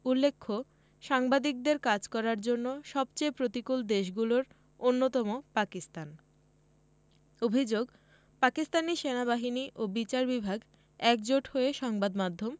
উল্লেখ্য সাংবাদিকদের কাজ করার জন্য সবচেয়ে প্রতিকূল দেশগুলোর অন্যতম পাকিস্তান অভিযোগ পাকিস্তানি সেনাবাহিনী ও বিচার বিভাগ একজোট হয়ে সংবাদ মাধ্যম